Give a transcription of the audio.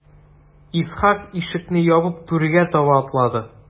Исхак ишекне ябып түргә таба атлады.